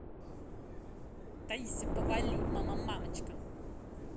таисия повалий мама мамочка